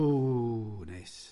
Ww, neis.